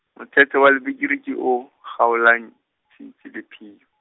motshetshe wa lebekere, ke o kgaolang, tshintshi lepheyo.